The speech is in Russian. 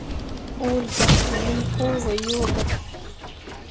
ольга зенкова йога